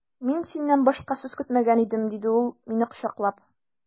Мин синнән башка сүз көтмәгән идем, диде ул мине кочаклап.